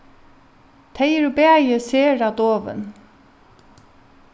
tey eru bæði sera dovin